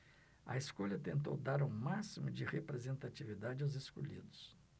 a escolha tentou dar o máximo de representatividade aos escolhidos